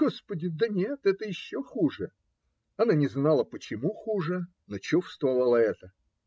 Господи, да нет, это еще хуже!" Она не знала, почему хуже, но чувствовала это.